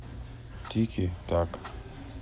тики так